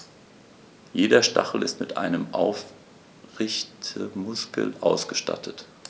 Jeder Stachel ist mit einem Aufrichtemuskel ausgestattet.